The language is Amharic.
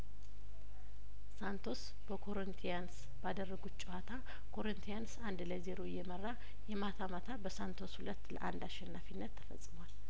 ሳንቶስ በኮሪንቲያንስ ባደረጉት ጨዋታ ኮሪንቲያንስ አንድ ለዜሮ እየመራ የማታ ማታ በሳንቶስ ሁለት ለአንድ አሸናፊነት ተፈጽሟል